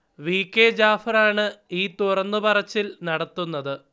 V. K Jafar ആണ് ഈ തുറന്നു പറച്ചിൽ നടത്തുന്നത്